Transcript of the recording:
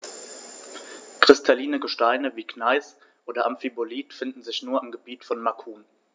Kristalline Gesteine wie Gneis oder Amphibolit finden sich nur im Gebiet von Macun.